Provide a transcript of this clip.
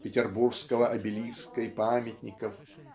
петербургского обелиска и памятников